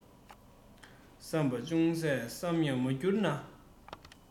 བསམ པ ཅུང ཟད ཙམ ཡང མ འགྱུར ན